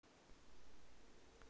как тут разговаривать